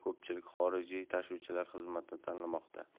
ko'pchilik xorijiy tashuvchilar xizmatini tanlamoqda